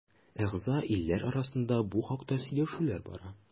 Әгъза илләр арасында бу хакта сөйләшүләр бара.